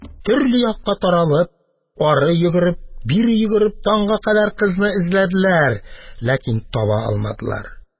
Төрле якка таралып, ары йөгереп, бире йөгереп, таңга кадәр кызны эзләделәр, ләкин таба алмадылар.